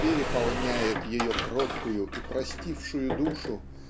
переполняет ее кроткую и простившую душу